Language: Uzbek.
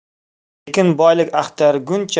tekin boylik axtarguncha